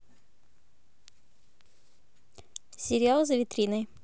сериал за витриной